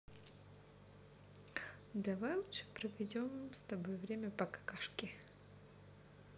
давай лучше проведем с тобой время по какашки